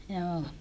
joo